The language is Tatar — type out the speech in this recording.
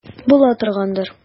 Була торгандыр.